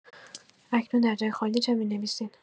اکنون در جای خالی چه می‌نویسید؟